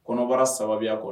Kɔnɔbara sababuya kɔ